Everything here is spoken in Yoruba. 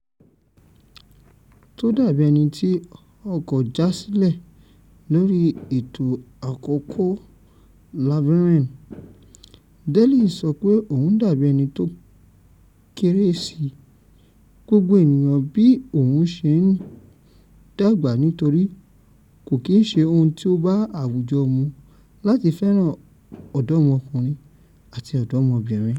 Tó dábí ẹní tí ọkọ̀ já sílẹ̀ lórí ètò àkọ́kọ́ Laverne, Daley sọ pé òun dàbí ẹni tó “kéré sí” gbogbo ènìyàn bí òwun ṣe ń dàgbà nítorí “kò kìíṣe ohun tí ó bá àwùjọ mu láti fẹ́ràn ọ̀dọ̀mọkùnrin àti ọ̀dọ̀mọ́bìnrin."